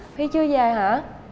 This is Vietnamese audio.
huy chưa về hả